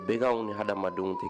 Bɛkanw ni hadamadenw tɛ